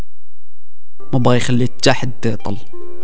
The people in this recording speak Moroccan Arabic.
الله يخليك